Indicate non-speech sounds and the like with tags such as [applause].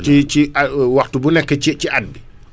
ci ci at [hesitation] waxtu bu nekk ci ci at bi